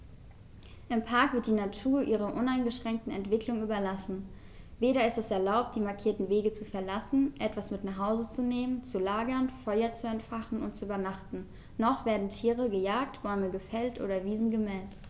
Im Park wird die Natur ihrer uneingeschränkten Entwicklung überlassen; weder ist es erlaubt, die markierten Wege zu verlassen, etwas mit nach Hause zu nehmen, zu lagern, Feuer zu entfachen und zu übernachten, noch werden Tiere gejagt, Bäume gefällt oder Wiesen gemäht.